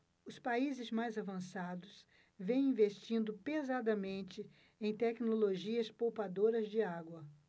os países mais avançados vêm investindo pesadamente em tecnologias poupadoras de água